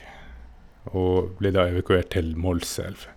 Og ble da evakuert til Målselv.